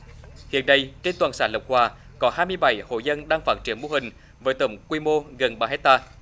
hiện nay trên toàn xã lộc hòa có hai mươi bảy hộ dân đang phát triển mô hình với tổng quy mô gần ba héc ta